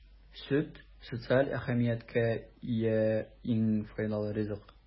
Сөт - социаль әһәмияткә ия иң файдалы ризык.